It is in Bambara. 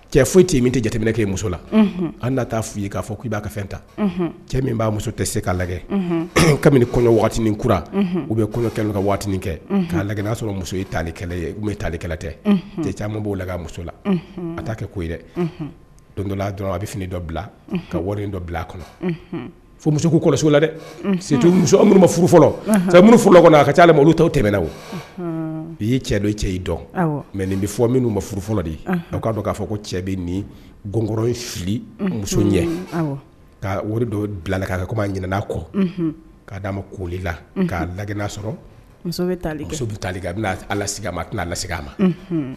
Cɛ foyi ti min tɛkɛ i muso la an na taa f fɔ i ye'a fɔ k ii'a fɛn ta cɛ min b'a muso tɛ se ka lajɛ kabini kɔɲɔkura u bɛ kɔɲɔ ka waati kɛ k'a lajɛa sɔrɔ muso taali kɛlɛ ye tun bɛ tali kɛlɛ tɛ cɛ caman b'o la muso la a t'a kɛ ko don dɔ dɔrɔn a bɛ fini dɔ bila ka wari in dɔ bila a kɔnɔ fo muso kɔlɔsiso la dɛtu ma furufɔlɔ furu kɔnɔ a ka ca olu tɔw tɛmɛna o i'i cɛ dɔ cɛ i dɔn mɛ nin bɛ fɔ minnu ma furufɔlɔ de o k'a dɔn k'a fɔ ko cɛ bɛ ni gkɔrɔ in fili muso ɲɛ ka wari dɔ bilala k' kɛ ko ɲ' kɔ k'a d'a ma koli la k'a la sɔrɔ muso bɛ bɛ ala ma tɛna la a ma